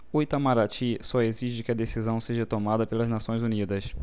o itamaraty só exige que a decisão seja tomada pelas nações unidas